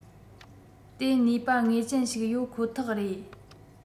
དེ ནུས པ ངེས ཅན ཞིག ཡོད ཁོ ཐག རེད